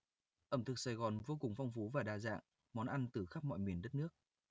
ẩm thực sài gòn vô cùng phong phú và đa dạng món ăn từ khắp mọi miền đất nước